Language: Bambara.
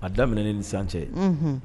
A daminɛnen ni sisan cɛ Unhun